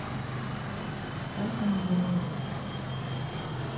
как он выглядит